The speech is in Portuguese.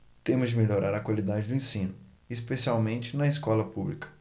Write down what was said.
temos de melhorar a qualidade do ensino especialmente na escola pública